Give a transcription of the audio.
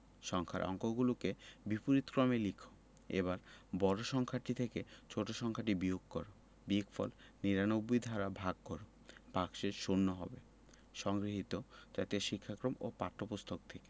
সংখ্যার অঙ্কগুলোকে বিপরীতক্রমে লিখ এবার বড় সংখ্যাটি থেকে ছোট সংখ্যাটি বিয়োগ কর বিয়োগফল ৯৯ দ্বারা ভাগ কর ভাগশেষ শূন্য হবে সংগৃহীত জাতীয় শিক্ষাক্রম ও পাঠ্যপুস্তক থেকে